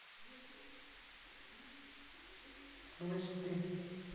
слыш ты